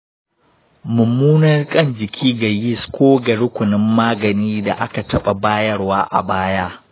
mummunar ƙan-jiki ga yis ko ga rukunin magani da aka taɓa bayarwa a baya.